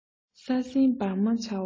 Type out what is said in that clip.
ས སྲིན འབར མ བྱ བ